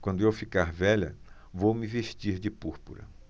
quando eu ficar velha vou me vestir de púrpura